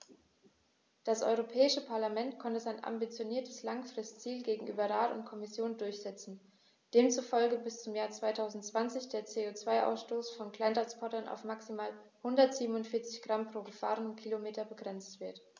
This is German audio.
Das Europäische Parlament konnte sein ambitioniertes Langfristziel gegenüber Rat und Kommission durchsetzen, demzufolge bis zum Jahr 2020 der CO2-Ausstoß von Kleinsttransportern auf maximal 147 Gramm pro gefahrenem Kilometer begrenzt wird.